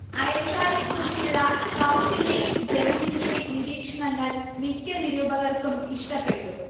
അയൽക്കാരെക്കുറിച്ചുള്ള സ്കൗട്ടിന്റെയും ജെമിനിന്റെയും നിരീക്ഷണങ്ങൾ മിക്ക നിരൂപകർക്കും ഇഷ്ടപ്പെട്ടു